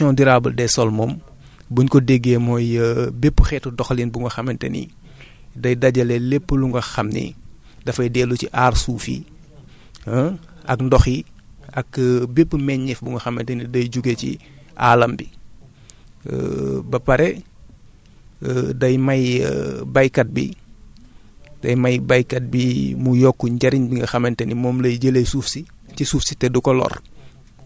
mais gestion durable des sols moom bu ñu ko déggee mooy bépp xeetu doxalin bu nga xamante ne day dajale lépp lu nga xam ne dafay dellu si aar suuf yi ak ndox yi ak bépp meññeef bu nga xamante ne day juge ci aalam bi ba pare day may baykat bi day may baykat bi mu yokk njariñ li nga xamante ne moom lay jëlee suuf si ci suuf si te du ko lor